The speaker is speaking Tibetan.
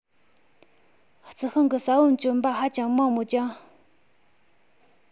རྩི ཤིང གི ས བོན བཅོམ པ ཧ ཅང མང མོད ཀྱང